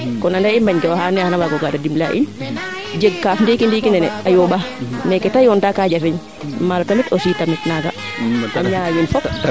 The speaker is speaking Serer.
kon ande i mbañ kee oxaa ando naye xana waago gar a dimle a in jeg kaaf ndikii ndiki nene a yoomba mais keete yoon ta ka jafeñ maalo tamit aussi naaga a ñaawiin fop